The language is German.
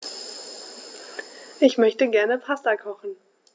Ich möchte gerne Pasta kochen.